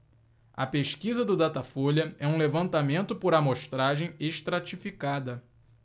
a pesquisa do datafolha é um levantamento por amostragem estratificada